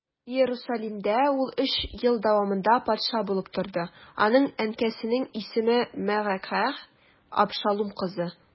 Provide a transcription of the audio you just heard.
Иерусалимдә ул өч ел дәвамында патша булып торды, аның әнкәсенең исеме Мәгакәһ, Абшалум кызы.